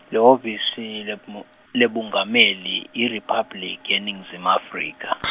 lihhovisi leBmu- leBungameli, IRiphabliki yeNingizimu Afrika .